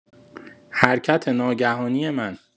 حرکت ناگهانی من